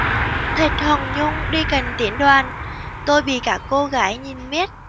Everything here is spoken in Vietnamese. thạch hồng nhung đi cạnh tiến đoàn tôi bị các cô gái nhìn miết